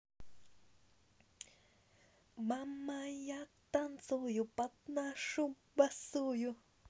мама я танцую под нашу босую